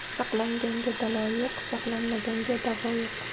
saqlanganga balo yo'q saqlanmaganga davo yo'q